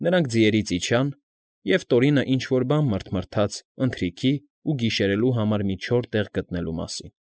Նրանք ձիերից իջան, և Տորինը ինչ֊որ բան մռթմռթաց ընթրիքի ու գիշերելու համար մի չոր տեղ գնտլու մասին։